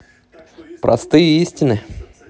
простые истины